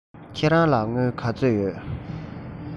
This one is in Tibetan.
ཁྱེད རང ལ དངུལ ག ཚོད ཡོད